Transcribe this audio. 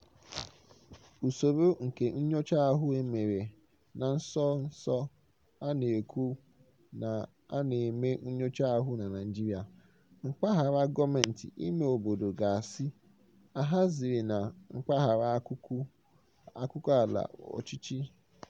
Usoro nke nnyocha ahụ e mere na nso nso a na-ekwu na a na-eme nnyocha ahụ na Naịjirịa "mpaghara gọọmentị ime obodo gasị ahaziri na mpaghara akụkụ ala ọchịchị".